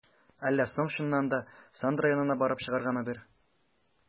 Әллә соң чыннан да, Сандра янына барып чыгаргамы бер?